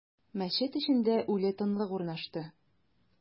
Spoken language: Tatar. Мәчет эчендә үле тынлык урнашты.